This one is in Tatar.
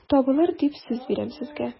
Табылыр дип сүз бирәм сезгә...